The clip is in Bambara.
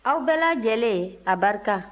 aw bɛɛ lajɛlen abarika